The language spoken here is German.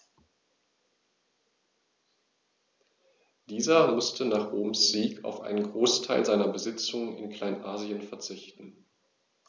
Dieser musste nach Roms Sieg auf einen Großteil seiner Besitzungen in Kleinasien verzichten.